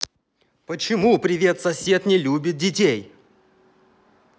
почему привет сосед не любит детей